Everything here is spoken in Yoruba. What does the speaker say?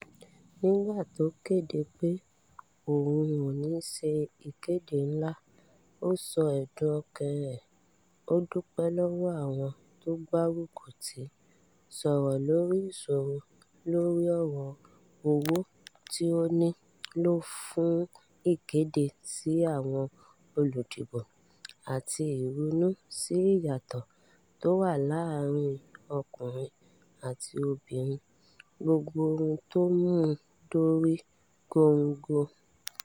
Nígbà tó kéde pé òun ‘ò ní sẹ ìkéde ńlá, ó sọ ẹ̀dùn ọkàn ẹ̀ – ó dúpẹ́ lọ́wọ́ àwọn t’ọ́n gbárùkùtí, sọ̀rọ̀ lóri ìsoro lóri ọ̀rọ̀ owó tí ó ní lò fún ìkéde sí àwọn olùdìbò àti ìrúnú sí ìyàtọ̀ tó waà láàrin ọkùnrin àti obìnrin – gbogbo ohun tó muú dorí góńgó.